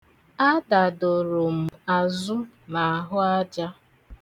Adadoro m azụ n'ahụaja.